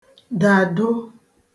-dàdo